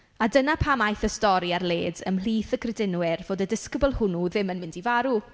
A dyna pam aeth y stori ar led ymhlith y credinwyr fod y disgybl hwnnw ddim yn mynd i farw.